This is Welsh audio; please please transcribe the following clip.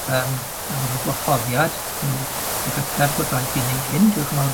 yym am y gwahoddiad m- bygythiad bod raid fi neud hyn dioch yn fawr...